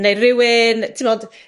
neu rywun t'mod